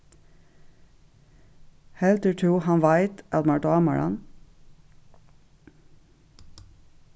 heldur tú hann veit at mær dámar hann